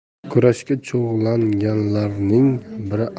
kurashga chog'langanlarning biri